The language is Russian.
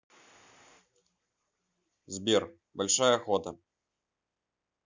сбер большая охота